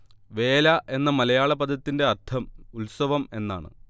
വേല എന്ന മലയാള പദത്തിന്റെ അർത്ഥം ഉത്സവം എന്നാണ്